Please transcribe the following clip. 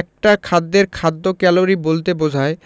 একটা খাদ্যের খাদ্য ক্যালোরি বলতে বোঝায়